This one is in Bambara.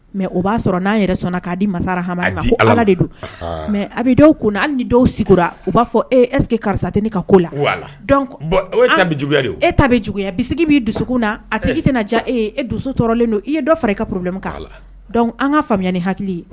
Mɛ o b'a sɔrɔ n'a yɛrɛ sɔnna k'a di masara hama ko ala de don mɛ a bɛ dɔw kun ni dɔw sigira u b'a fɔ e ɛsseke karisa tɛ ka ko la e ta bɛ juguya bi sigi b'i dusukun na a tɛ i tɛna diya e e dusulen don i ye dɔ fari i kaorolmu' la an ka faamuyaya ni hakili ye